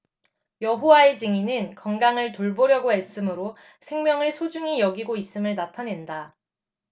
여호와의 증인은 건강을 돌보려고 애씀으로 생명을 소중히 여기고 있음을 나타낸다